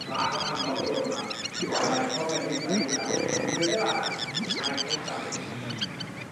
dra gwahanol tro yma, y ddaeth Tom Ellis ar 'i draws, roedd Gwyddel arall, Michael Davitt.